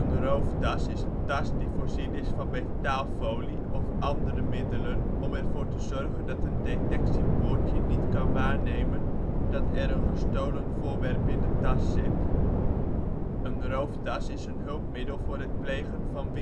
rooftas is een tas die voorzien is van metaalfolie of andere middelen om er voor te zorgen dat een detectiepoortje niet kan waarnemen dat er een gestolen voorwerp in de tas zit. Een rooftas is een hulpmiddel voor het plegen van